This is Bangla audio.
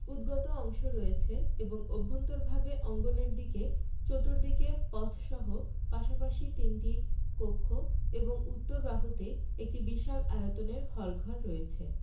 উদ্গত অংশ রয়েছে এবং অভ্যন্তরভাবে অঙ্গনের দিকে চতুর্দিকে পথসহ পাশাপাশি তিনটি কক্ষ এবং উত্তর বাহুতে একটি বিশাল আয়তনের হলঘর আছে